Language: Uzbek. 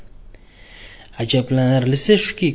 jablanarlisi shuki